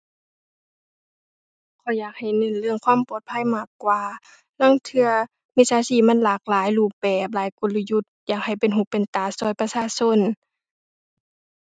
ข้อยอยากให้เน้นเรื่องความปลอดภัยมากกว่า ลางเทื่อมิจฉาชีพมันหลากหลายรูปแบบหลายกลยุทธ์ อยากให้เป็นหูเป็นตาช่วยประชาชน